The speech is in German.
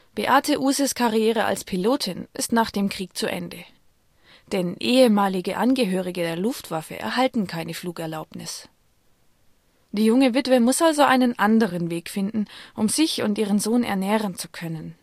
Beate Uhses Karriere als Pilotin ist nach dem Krieg zu Ende: Ehemalige Angehörige der Luftwaffe erhalten keine Flugerlaubnis. Die junge Witwe muss also einen anderen Weg finden, um sich und ihren Sohn ernähren zu können